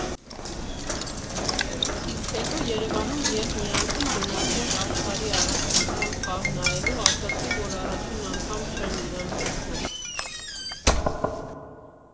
Իսկ հետո Երևանում, երբ միասին գնացինք աշխարհի առաջնության խաղ նայելու, ասացի, որ առաջին անգամ չեմ իրեն տեսնում։